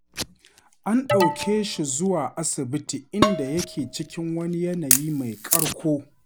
An ɗauke shi zuwa asibiti inda yake cikin wani yanayi “mai ƙarko.”